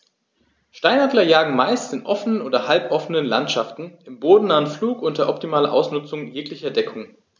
Steinadler jagen meist in offenen oder halboffenen Landschaften im bodennahen Flug unter optimaler Ausnutzung jeglicher Deckung.